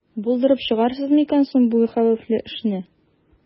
Булдырып чыгарсыз микән соң бу хәвефле эшне?